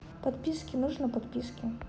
подписки нужно подписки